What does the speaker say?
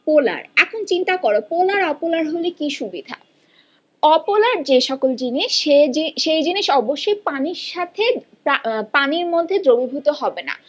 পোলার এখন চিন্তা করো পোলার অপোলার হলে কি সুবিধা অপোলার যে সকল জিনিস সেই জিনিস অবশ্যই পানির সাথে পানির মধ্যে দ্রবীভূত হবে না